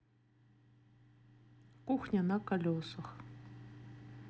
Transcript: кухня на колесах